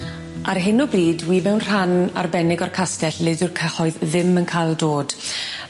Ar hyn o bryd wi mewn rhan arbennig o'r castell le dyw'r cyhoedd ddim yn ca'l dod.